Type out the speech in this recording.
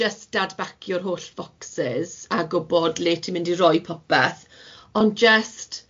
jys dadbacio'r holl focsys a gwbod le ti'n mynd i roi popeth, ond jyst.